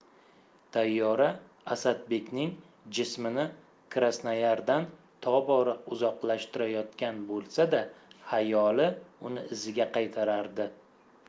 tayyora asadbekning jismini krasnoyardan tobora uzoqlashtirayotgan bo'lsa da xayoli uni iziga qaytarardi